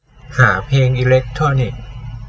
หาเพลงอิเลกโทรนิค